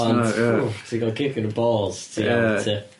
Ond ww ti ga'l kick yn y balls, ti'n out ia.